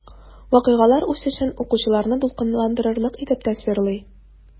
Вакыйгалар үсешен укучыларны дулкынландырырлык итеп тасвирлый.